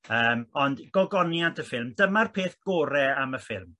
yym ond gogoniant y ffilm dyma'r peth gore am y ffilm.